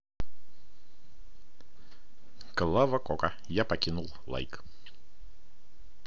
клава кока я покинул лайк